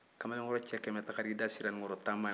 kamalenkɔrɔ cɛ kɛmɛ taara i da siranikɔrɔ tanba ɲɛ